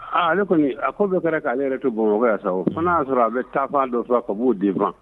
Aaa ale kɔni a ko bɛɛ kɛra k'ale yɛrɛ to bɔ sa o fana y'a sɔrɔ a bɛ taafan dɔ sɔrɔ ka b'o denfa